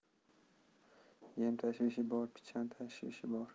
yem tashvishi bor pichan tashvishi bor